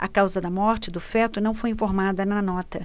a causa da morte do feto não foi informada na nota